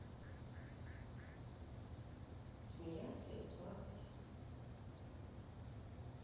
смеяться и плакать